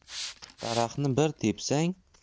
daraxtni bir tepsang